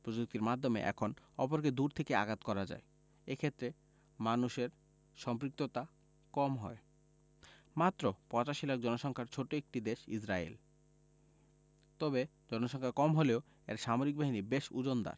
প্রযুক্তির মাধ্যমে এখন অপরকে দূর থেকেই আঘাত করা যায় এ ক্ষেত্রে মানুষের সম্পৃক্ততা কম হয় মাত্র ৮৫ লাখ জনসংখ্যার ছোট্ট একটি দেশ ইসরায়েল তবে জনসংখ্যা কম হলেও এর সামরিক বাহিনী বেশ ওজনদার